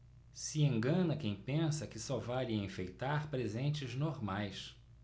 se engana quem pensa que só vale enfeitar presentes normais